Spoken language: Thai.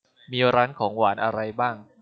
มีร้านของหวานอะไรบ้าง